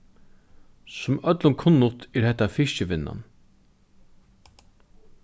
sum øllum kunnugt er hetta fiskivinnan